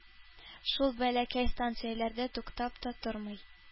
Шул бәләкәй станцияләрдә туктап та тормый.